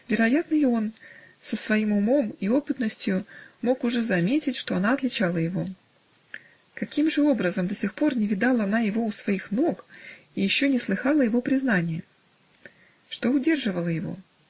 вероятно, и он, с своим умом и опытностию, мог уже заметить, что она отличала его: каким же образом до сих пор не видала она его у своих ног и еще не слыхала его признания? Что удерживало его?